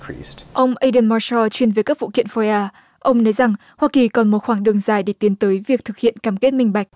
ông ây đừn mao phơ chuyên về các phụ kiện phây a ông nói rằng hoa kỳ cần một khoảng đường dài để tiến tới việc thực hiện cam kết minh bạch